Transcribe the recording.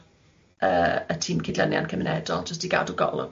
Yy y tîm cydleniad cymunedol, jyst i gadw golwg